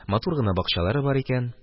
Матур гына бакчалары бар икән.